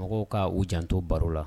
Mɔgɔw ka u janto baro la